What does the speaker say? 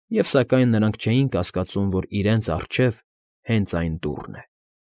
Եվ, սակայն, նրանք չէին կասկածում, որ իրենց առջև հենց այն դուռն է։